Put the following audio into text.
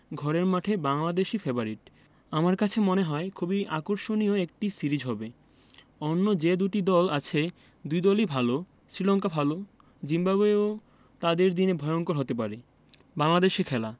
ঘরের মাঠে বাংলাদেশই ফেবারিট আমার কাছে মনে হয় খুবই আকর্ষণীয় একটা সিরিজ হবে অন্য যে দুটি দল আছে দুই দলই ভালো শ্রীলঙ্কা ভালো জিম্বাবুয়েও তাদের দিনে ভয়ংকর হতে পারে বাংলাদেশে খেলা